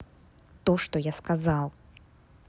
то что я сказал